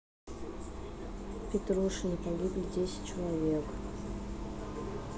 петрушина погибли десять человек